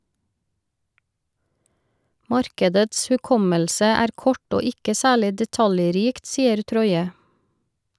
- Markedets hukommelse er kort og ikke særlig detaljrikt, sier Troye.